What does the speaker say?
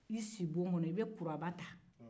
i si bon kɔnɔ i bɛ kuraba ta